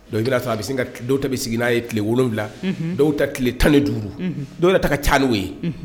Donc i bɛn'a sɔrɔ a bɛ se ka dɔw tɛ bɛ sigi n'a ye tile 7, unhun , dɔw ta tile 15,unhun, dɔw ta ka caa o ye, unhun !